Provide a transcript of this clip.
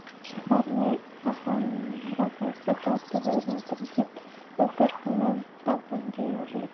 shaharning ohanrabosi bor deb o'ylardim dedi u bir kuni davronga yorilib